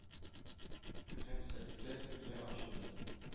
Күзен сөртте — күзе ачылды: